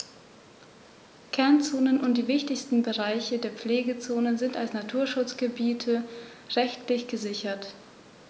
Kernzonen und die wichtigsten Bereiche der Pflegezone sind als Naturschutzgebiete rechtlich gesichert.